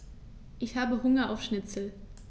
Ich habe Hunger auf Schnitzel.